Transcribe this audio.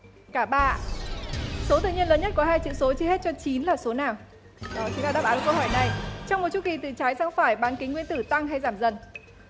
cả ba số tự nhiên lớn nhất có hai chữ số chia hết cho chín là số nào đó chính là đáp án của câu hỏi này trong một chu kỳ từ trái sang phải bán kính nguyên tử tăng hay giảm dần